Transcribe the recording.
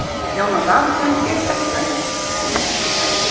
jóna davidsen er estlendingur